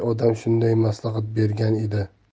odam shunday maslahat bergan edi